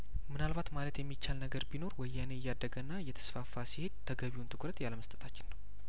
ምናልባት ማለት የሚቻል ነገር ቢኖር ወያኔ እያደ ገና እየተስፋፋ ሲሄድ ተገቢውን ትኩረት ያለመስጠታችን ነው